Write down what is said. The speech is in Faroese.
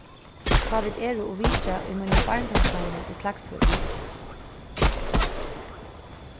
tá vit eru og vitja í mínum barndómsheimi í klaksvík